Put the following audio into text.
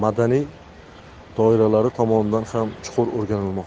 madaniy doiralari tomonidan ham chuqur o'rganilmoqda